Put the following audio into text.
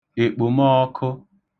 èkpòmọọkụ